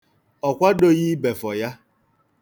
Ọ kwadoghị ibefọ ya.